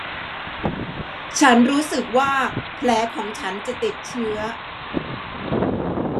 ฉันรู้สึกว่าแผลของฉันจะติดเชื้อ